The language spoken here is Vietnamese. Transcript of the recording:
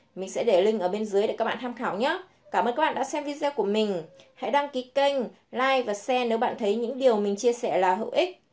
mình sẽ để link bên dưới để các bạn tham khảo nhé cảm ơn các bạn đã xem video của mình hãy đăng ký kênh like và share nếu bạn thấy những điều mình chia sẻ là hữu ích